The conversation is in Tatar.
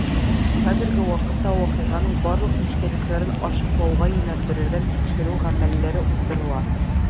Хәзерге вакытта вакыйганың барлык нечкәлекләрен ачыклауга юнәлдерелгән тикшерү гамәлләре уздырыла.